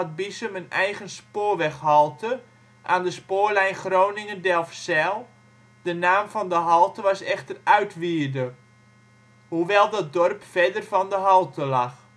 Biessum een eigen spoorweghalte aan de Spoorlijn Groningen - Delfzijl; de naam van de halte was echter Uitwierde, hoewel dat dorp verder van de halte lag